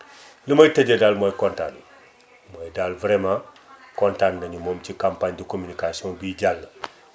li may tëjee daal mooy kontaan mooy daal vraiment kontaan nañu moom ci campagne de communication bii jàll